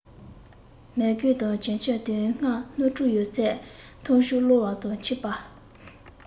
མལ གོས དང གྱོན ཆས དོན ལྔ སྣོད དྲུག ཡོད ཚད མཐོང བྱུང གློ བ དང མཆིན པ